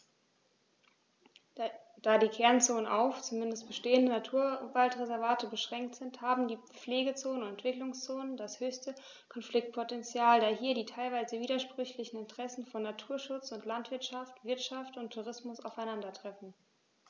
Da die Kernzonen auf – zumeist bestehende – Naturwaldreservate beschränkt sind, haben die Pflegezonen und Entwicklungszonen das höchste Konfliktpotential, da hier die teilweise widersprüchlichen Interessen von Naturschutz und Landwirtschaft, Wirtschaft und Tourismus aufeinandertreffen.